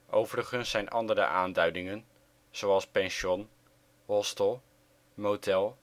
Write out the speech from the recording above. Overigens zijn andere aanduidingen, zoals pension, hostel, motel